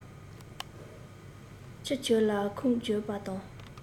ཁྱི ཁྱོད ལ ཁུངས བརྒྱུད པ དང